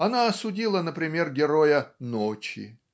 Она осудила, например, героя "Ночи".